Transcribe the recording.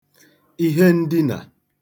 ihe ndinà